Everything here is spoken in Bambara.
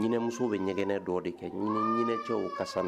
Ɲinmuso bɛ ɲɛgɛnɛnɛ dɔ de kɛ ɲinincɛ o ka sanu